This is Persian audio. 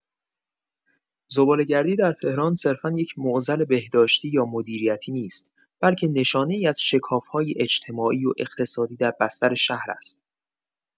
زباله‌گردی در تهران صرفا یک معضل بهداشتی یا مدیریتی نیست، بلکه نشانه‌ای از شکاف‌های اجتماعی و اقتصادی در بستر شهر است.